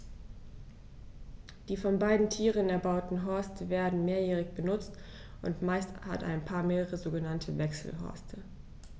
Die von beiden Tieren erbauten Horste werden mehrjährig benutzt, und meist hat ein Paar mehrere sogenannte Wechselhorste.